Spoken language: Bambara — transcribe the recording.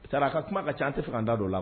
Sara a ka kuma ka ca an tɛ se ka n da dɔ la